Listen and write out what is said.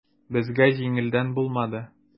Безгә җиңелдән булмады.